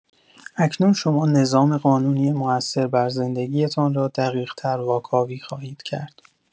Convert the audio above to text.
اکنون شما نظام قانونی موثر بر زندگی‌تان را دقیق‌تر واکاوی خواهید کرد.